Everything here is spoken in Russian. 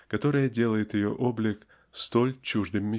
которое делает ее облик столь чуждым